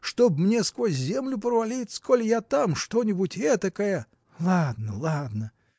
чтоб мне сквозь землю провалиться, коли я там что-нибудь этакое. – Ладно! ладно!